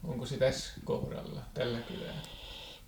onko se tässä kohdalla tällä kylällä